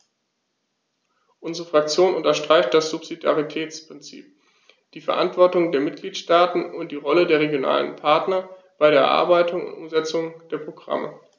Unsere Fraktion unterstreicht das Subsidiaritätsprinzip, die Verantwortung der Mitgliedstaaten und die Rolle der regionalen Partner bei der Erarbeitung und Umsetzung der Programme.